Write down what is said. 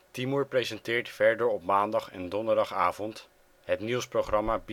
Timur presenteert verder op maandag - en donderdagavond het nieuwsprogramma